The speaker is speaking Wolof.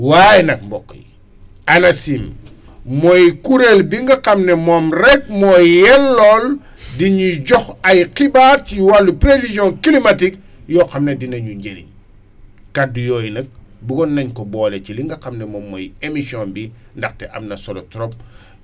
waaye nag mbokk yi ANACIM mooy kuréel bi nga xam ne moom rek mooy yellool di ñuy jox ay xibaar ci wàllu prévision climatique yoo xam ne dinañu njëriñ kàddu yooyu nag buggoon nañ ko boole ci li nga xam ne moom mooy émission bi ndaxte am na solo trop